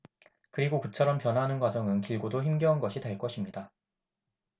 그리고 그처럼 변화하는 과정은 길고도 힘겨운 것이 될 것입니다